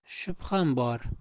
shubham bor